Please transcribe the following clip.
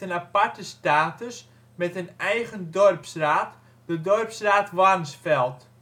aparte status met een eigen dorpsraad (dorpsraad Warnsveld